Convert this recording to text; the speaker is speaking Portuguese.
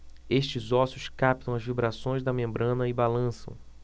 estes ossos captam as vibrações da membrana e balançam